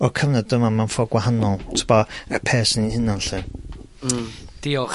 o'r cyfnod yma mewn ffor gwahanol t'bo', ar pace 'yn hunan 'lly. Hmm, diolch...